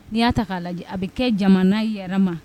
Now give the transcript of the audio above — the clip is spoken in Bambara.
N'i y'a ta k'a lajɛ a bɛ kɛ jamana yɛrɛ ma.